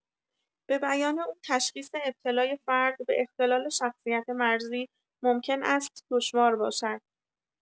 به بیان او تشخیص ابتلای فرد به اختلال شخصیت مرزی ممکن است دشوار باشد.